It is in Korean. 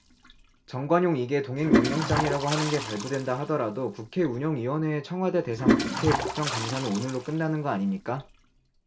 정관용 이게 동행명령장이라고 하는 게 발부된다 하더라도 국회 운영위원회의 청와대 대상 국회 국정감사는 오늘로 끝나는 거 아닙니까